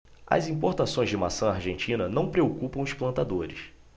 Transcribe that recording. as importações de maçã argentina não preocupam os plantadores